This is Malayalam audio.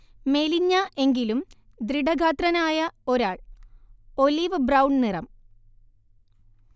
മെലിഞ്ഞ, എങ്കിലും ദൃഢഗാത്രനായ ഒരാൾ, ഒലിവ്-ബ്രൗൺ നിറം